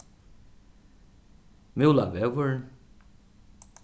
múlavegur